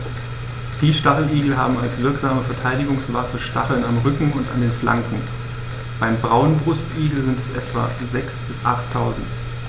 Die Stacheligel haben als wirksame Verteidigungswaffe Stacheln am Rücken und an den Flanken (beim Braunbrustigel sind es etwa sechs- bis achttausend).